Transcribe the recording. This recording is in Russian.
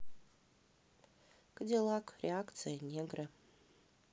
кадиллак реакция негры